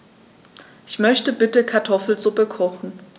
Ich möchte bitte Kartoffelsuppe kochen.